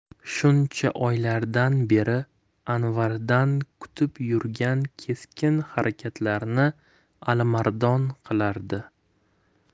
shuncha oylardan beri anvardan kutib yurgan keskin harakatlarni alimardon qilardi